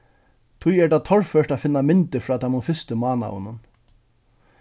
tí er tað torført at finna myndir frá teimum fyrstu mánaðunum